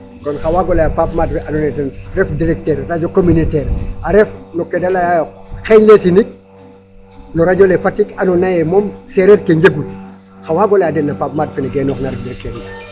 Kon xar waago lay a Pape Made ten fe andoona yee ten ref directeur radio communautaire a ref no ke da laya yo nqel ne sinig no radio le Fatick andoona yee mom sereer ke njegun xa waago lay a den no Pape made fene geenooxna.